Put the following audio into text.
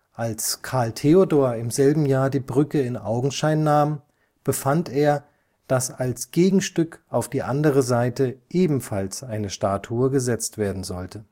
Als Karl Theodor im selben Jahr die Brücke in Augenschein nahm, befand er, dass als Gegenstück auf die andere Seite ebenfalls eine Statue gesetzt werden sollte